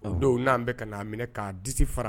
Don n'aan bɛka ka na'a minɛ k'a disi fara